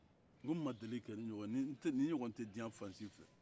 nko ne ma deli ka ni ɲɔgɔn ye ni ɲɔgɔn tɛ diɲɛ fan si fɛ